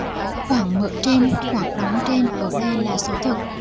khoảng mở trên khoảng đóng trên ở đây là số thực